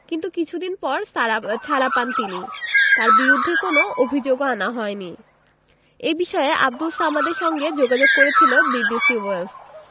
কিন্তু কিছুদিন পর ছাড়া পান তিনি তাঁর বিরুদ্ধে কোনো অভিযোগও আনা হয়নি এ বিষয়ে আবদুল সামাদের সঙ্গে যোগাযোগ করেছিল বিবিসি ওয়েলস